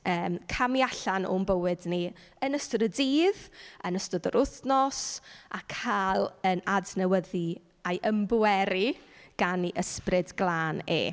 Yym, camu allan o'n bywyd ni yn ystod y dydd, yn ystod yr wythnos, a cael ein adnewyddu a'i ymbweru gan ei Ysbryd Glân e.